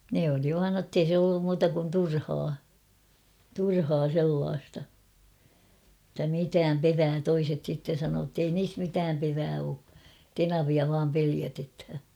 ne oli vain jotta ei se ollut muuta kuin turhaa turhaa sellaista että mitään perää toiset sitten sanoo että ei niissä mitään perää ole tenavia vain pelotetaan